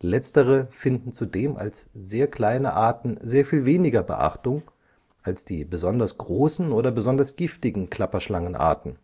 letztere finden zudem als sehr kleine Arten sehr viel weniger Beachtung als die besonders großen oder besonders giftigen Klapperschlangenarten